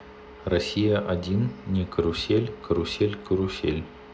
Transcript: россия один не карусель карусель карусель